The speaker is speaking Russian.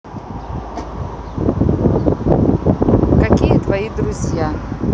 какие твои друзья